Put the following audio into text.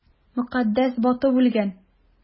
Мөкаддәс батып үлгән!